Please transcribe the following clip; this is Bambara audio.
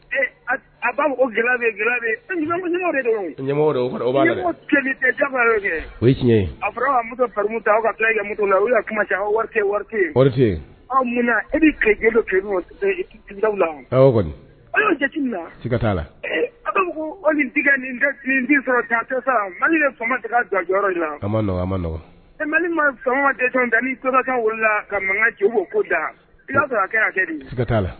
Ee a b'a fɔra muso fari ta awmu na kuma ca wari e la ni tigɛ ni sɔrɔ mali fa tigɛ da in mali ma san de tɛ ni wolola ka mankan jo o ko da i'a sɔrɔ a kɛ di